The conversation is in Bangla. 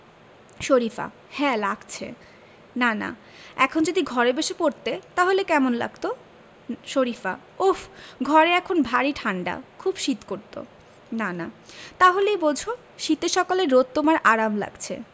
শরিফা হ্যাঁ লাগছে নানা এখন যদি ঘরে বসে পড়তে তাহলে কেমন লাগত শরিফা উফ ঘরে এখন ভারি ঠাণ্ডা খুব শীত করত নানা তা হলেই বোঝ শীতের সকালে রোদে তোমার আরাম লাগছে